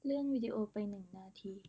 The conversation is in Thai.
เลื่อนวีดีโอไปหนึ่งนาที